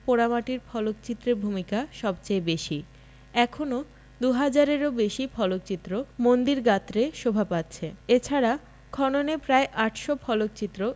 পোড়ামাটির ফলকচিত্রের ভূমিকা সবচেয়ে বেশি এখনও ২হাজার এরও বেশি ফলকচিত্র মন্দির গাত্রে শোভা পাচ্ছে এছাড়া খননে প্রায় ৮০০ ফলকচিত্র